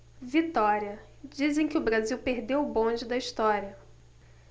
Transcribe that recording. vitória dizem que o brasil perdeu o bonde da história